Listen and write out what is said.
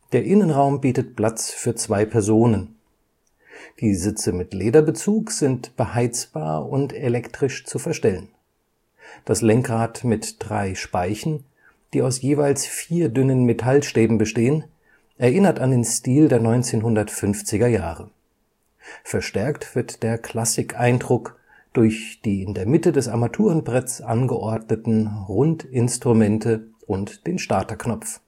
Innenraum bietet Platz für zwei Personen. Die Sitze mit Lederbezug sind beheizbar und elektrisch zu verstellen. Das Lenkrad mit drei Speichen, die aus jeweils vier dünnen Metallstäben bestehen, erinnert an den Stil der 1950er-Jahre. Verstärkt wird der Klassikeindruck durch die in der Mitte des Armaturenbretts angeordneten Rundinstrumente und den Starterknopf